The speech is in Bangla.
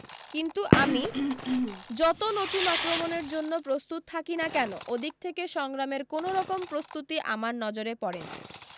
কিন্তু আমি যতি নতুন আক্রমণের জন্য প্রস্তুত থাকি না কেন ওদিক থেকে সংগ্রামের কোন রকম প্রস্তুতি আমার নজরে পড়েনি